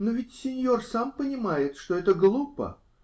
Но ведь синьор сам понимает, что это глупо.